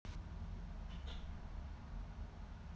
блять не ребенок